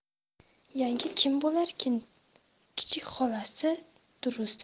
yanga kim bo'larkin kichik xolasi durust